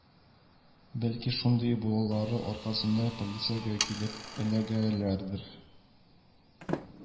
Бәлки шундый булулары аркасында полициягә килеп эләгәләрдер